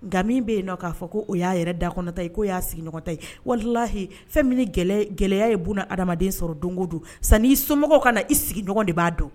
Nka min bɛ yen jɔn k'a fɔ ko o y'a yɛrɛ da kɔnɔta ye o y'a sigiɲɔgɔn ta ye wallahi fɛn min ni gɛlɛya ye bun adamadamaden sɔrɔ don o don , sani i somɔgɔw k'a na, i sigiɲɔgɔn de b'a dɔn fɔlɔ.